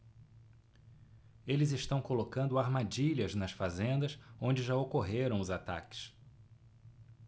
eles estão colocando armadilhas nas fazendas onde já ocorreram os ataques